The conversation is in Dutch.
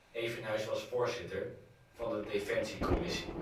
Evenhuis was voorzitter van de Defensiecommissie